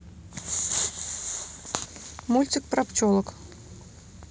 мультик про пчелок